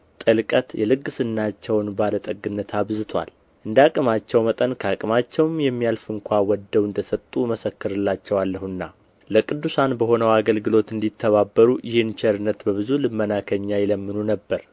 ጥልቅነት የልግስናቸውን ባለ ጠግነት አብዝቶአል እንደ ዓቅማቸው መጠን ከዓቅማቸውም የሚያልፍ እንኳ ወደው እንደ ሰጡ እመሰክርላቸዋለሁና ለቅዱሳን በሆነው አገልግሎት እንዲተባበሩ ይህን ቸርነት በብዙ ልመና ከእኛ ይለምኑ ነበር